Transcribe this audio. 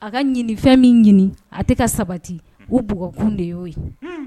A ka ɲinifɛn min ɲini a tɛ ka sabati u bugɔkun de y'o ye